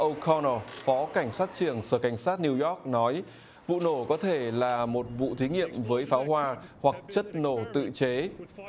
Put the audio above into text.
ông co nờ phó cảnh sát trưởng sở cảnh sát niu doóc nói vụ nổ có thể là một vụ thí nghiệm với pháo hoa hoặc chất nổ tự chế